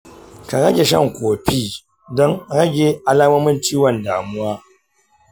ka rage shan kofi don rage alamomin ciwon damuwa.